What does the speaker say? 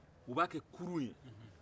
u b'a kɛ kurun ye